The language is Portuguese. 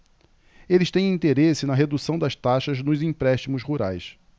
eles têm interesse na redução das taxas nos empréstimos rurais